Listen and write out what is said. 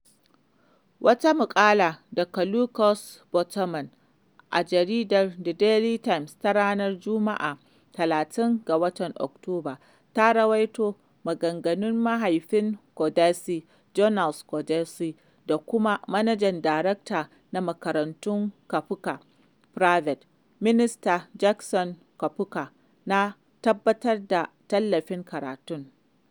Wata maƙala daga Lucas Bottoman a jaridar The Daily Times ta ranar Jumma’a, 30 ga Oktoba, ta rawaito maganganun mahaifin Kondesi, Jonas Kondesi, da kuma Manajan Darakta na Makarantun Kaphuka Private, Mista Jackson Kaphuka, na tabbatar da tallafin karatun.